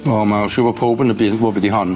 Wel ma' siŵr bo' powb yn y byd yn gwbo be' 'di hon.